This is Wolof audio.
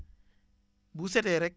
bu setee rek